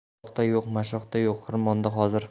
o'roqda yo'q mashoqda yo'q xirmonda hozir